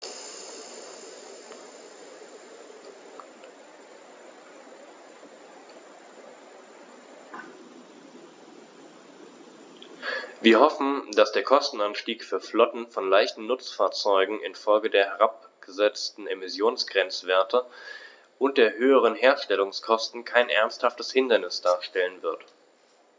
Wir hoffen, dass der Kostenanstieg für Flotten von leichten Nutzfahrzeugen in Folge der herabgesetzten Emissionsgrenzwerte und der höheren Herstellungskosten kein ernsthaftes Hindernis darstellen wird.